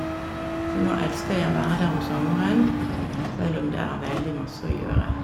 Så nå elsker jeg å være der om sommeren, selv om det er veldig masse å gjøre.